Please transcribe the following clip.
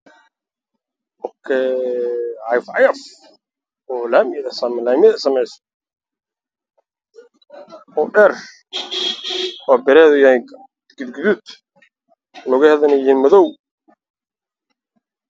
Waxaa ii muuqda midabkeedu yahay jaalo waana cagaf cagaf waxaa saaran nin wato shaati cagaaran koofiyaal ah